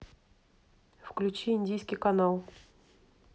включи индийский канал